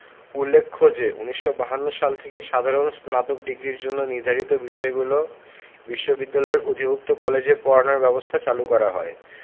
উল্লেখ্য যে ১৯৫২ সাল থেকে সাধারণ স্নাতক ডিগ্রির জন্য নির্ধারিত বিষয়গুলো বিশ্ববিদ্যালয়ের অধিভুক্ত কলেজে পড়ানোর ব্যবস্থা চালু করা হয়